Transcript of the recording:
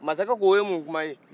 masakɛ ko o ye mun kuma ye